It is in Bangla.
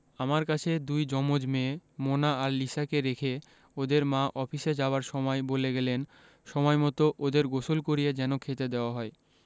আমার কাছে দুই জমজ মেয়ে মোনা আর লিসাকে রেখে ওদের মা অফিসে যাবার সময় বলে গেলেন সময়মত ওদের গোসল করিয়ে যেন খেতে দেওয়া হয়